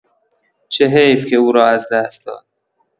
چه حیف که او را از دست داد!